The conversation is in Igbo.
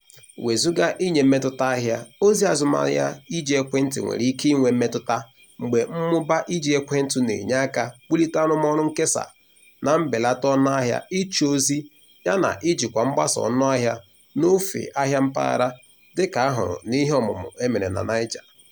Wezuga inye mmetụta ahịa/ozi azụmahịa iji ekwentị nwere ike inwe mmetụta mgbe mmụba iji ekwentị na-enye aka wulite arụmọrụ nkesa na mbelata ọnụahịa ịchọ ozi yana ijikwa mgbasa ọnụahịa n'ofe ahịa mpaghara, dịka a hụrụ n'iheọmụmụ e mere na Niger.